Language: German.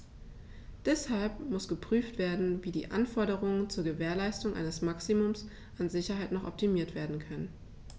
Deshalb muss geprüft werden, wie die Anforderungen zur Gewährleistung eines Maximums an Sicherheit noch optimiert werden können.